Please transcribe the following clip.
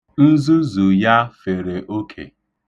Nzuzù ya fere oke.